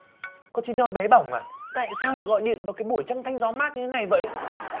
con chim non bé bỏng à tại sao lại gọi điện vào cái buổi trăng thanh gió mát như này vậy